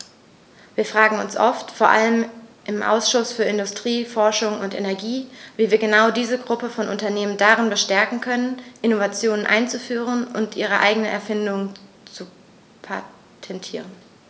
Wir fragen uns oft, vor allem im Ausschuss für Industrie, Forschung und Energie, wie wir genau diese Gruppe von Unternehmen darin bestärken können, Innovationen einzuführen und ihre eigenen Erfindungen zu patentieren.